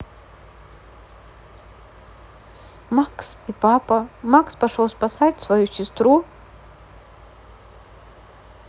макс и папа макс пошел спасать свою сестру